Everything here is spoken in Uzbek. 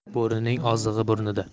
bo'rining ozig'i burnida